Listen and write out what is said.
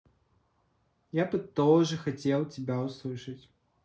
я бы тоже хотел тебя услышать